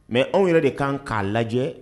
Mɛ anw yɛrɛ de kan k'a lajɛ